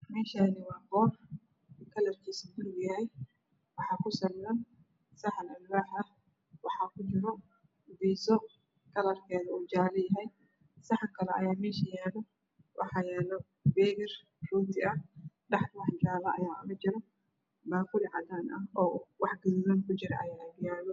Meeshaan waa boor kalarkiisu buluug yahay waxaa kusawiran saxan alwaax ah waxaa kujiro biidso kalarkeedu jaalo yahay. Saxan kalo ayaa meesha yaalo waxaa kujiro beegar rooti ah dhexda wax cadaan ah ayaa oga jiro iyo baaquli cad oo wax gaduudan kujiraan ayaa yaalo.